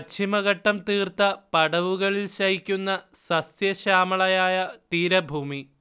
പശ്ചിമഘട്ടം തീർത്ത പടവുകളിൽ ശയിക്കുന്ന സസ്യ ശ്യാമളയായ തീരഭൂമി